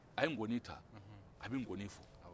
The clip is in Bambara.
a ngɔnni taa a bɛ ngɔnni fɔ